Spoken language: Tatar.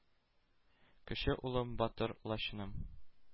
Кече улым, батыр лачыным.